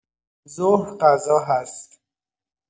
ظهر غذا هست.